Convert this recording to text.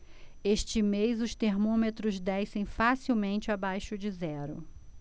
este mês os termômetros descem facilmente abaixo de zero